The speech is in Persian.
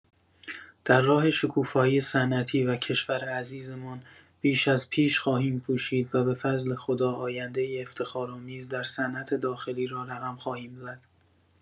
در راه شکوفایی صنعتی و کشور عزیزمان بیش از پیش خواهیم کوشید و به فضل خدا آینده‌ای افتخارآمیز در صنعت داخلی را رقم خواهیم زد.